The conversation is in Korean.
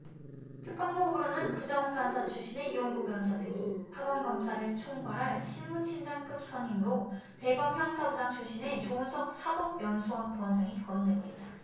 특검보 후보로는 부장판사 출신의 이용구 변호사 등이 파견검사를 총괄할 실무 팀장급 선임으로 대검 형사부장 출신의 조은석 사법연수원 부원장이 거론되고 있다